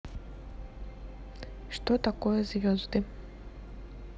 что такое звезды